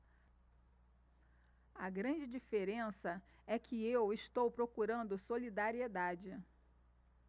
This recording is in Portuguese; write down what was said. a grande diferença é que eu estou procurando solidariedade